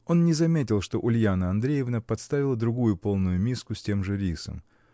Он не заметил, что Ульяна Андреевна подставила другую полную миску, с тем же рисом.